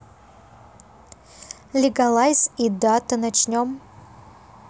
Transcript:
лигалайз и дато начнем